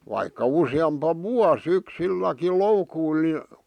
vaikka useampi vuosi yksilläkin loukuilla niin